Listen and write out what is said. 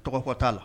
Tɔgɔ t'a la